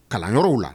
Kalan yɔrɔw la